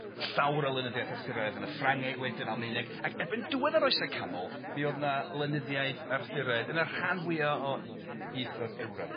llawr o lenyddiaeth Arthuraidd yn y Ffrangeg wedyn Almaeneg ac erbyn diwedd yr oesau canol, mi o'dd 'na lenyddiaeth Arthuraidd yn y rhan fwya o ieithodd Ewrop.